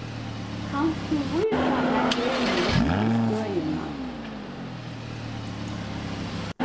kanst tú vísa mær vegin til støðina